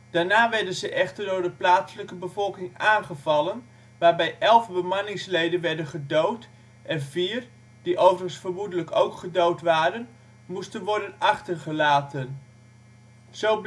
Daarna werden ze echter door de plaatselijke bevolking aangevallen, waarbij elf bemanningsleden werden gedood en vier (die overigens vermoedelijk ook gedood waren) moesten worden achtergelaten. Zo